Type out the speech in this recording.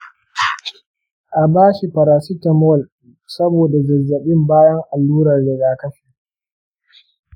a bashi paracetamol saboda zazzabi bayan allurar rigakafi.